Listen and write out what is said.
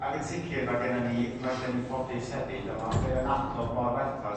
Ag yn sicr ma' genna ni ma' gen- 'da ni'n ffodus hefyd a mae o'n adnodd mor werthfawr